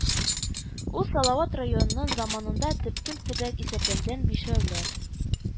Ул Салават районының заманында төпкел төбәк исәпләнгән Бишәүләр